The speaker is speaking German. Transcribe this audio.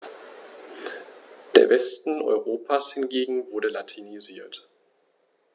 Der Westen Europas hingegen wurde latinisiert.